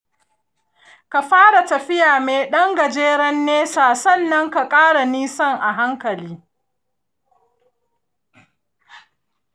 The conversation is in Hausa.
ka fara da tafiya mai ɗan gajeren nesa sannan ka ƙara nisan a hankali.